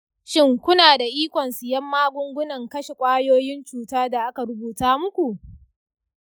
shin kuna da ikon siyan magungunan kashe kwayoyin cuta da aka rubuta muku?